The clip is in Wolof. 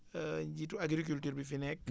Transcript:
njiitu agriculture bi fi nekk